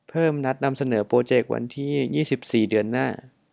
เพิ่มนัดนำเสนอโปรเจควันที่ยี่สิบสี่เดือนหน้า